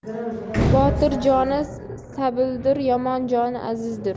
botir joni sabildir yomon joni azizdir